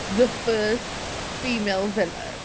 the first female villain.